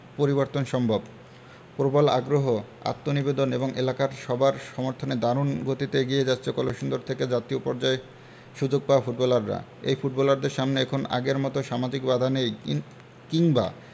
পরিবর্তন সম্ভব প্রবল আগ্রহ আত্মনিবেদন এবং এলাকার সবার সমর্থনে দারুণ গতিতে এগিয়ে যাচ্ছে কলসিন্দুর থেকে জাতীয় পর্যায়ে সুযোগ পাওয়া ফুটবলাররা এই ফুটবলারদের সামনে এখন আগের মতো সামাজিক বাধা নেই কিংবা